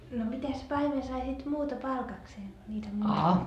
no mitäs paimen sai sitten muuta palkakseen kuin niitä munia